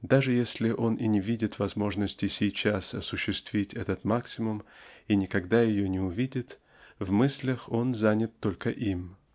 Даже если он и не видит возможности сейчас осуществить этот максимум и никогда ее не увидит в мыслях он занят только им.